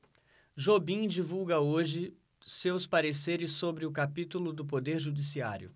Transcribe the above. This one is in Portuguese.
jobim divulga hoje seus pareceres sobre o capítulo do poder judiciário